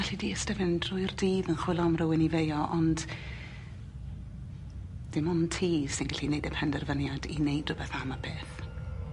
Elli di iste fyn 'yn drwy'r dydd yn chwilo am rywun i feio ond dim ond ti sy'n gallu neud y penderfyniad i neud rwbeth am y peth.